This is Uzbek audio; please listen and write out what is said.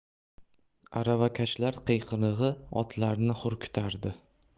aravakashlar qiyqirig'i otlarni xurkitardi